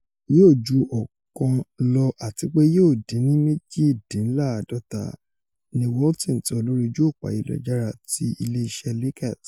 Yóò ju ọ̀kan lọ àtipé yóò dín ní méjìdínláàdọ́ta,'' ni Walton sọ lórí ojú-òpó ayelujara ti ilé iṣẹ́ Lakers.